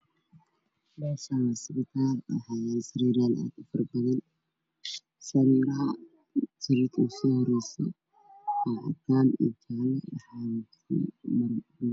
Meeshaan waxaa iiga muuqda darbi kalarkisu yahay cadaan waxaana ka dambeeyo darbi kala oo jaalo ah